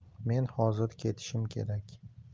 men hozir ketishim kerak